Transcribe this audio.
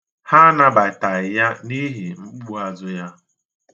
Ha anabataghị ya n'ihi mkpukpu azụ ya.